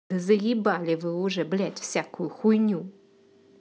да заебали вы уже блядь всякую хуйню